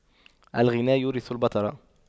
الغنى يورث البطر